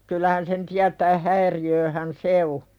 kyllähän sen tietää häiriötähän se on